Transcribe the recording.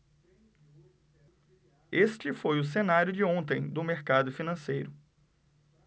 este foi o cenário de ontem do mercado financeiro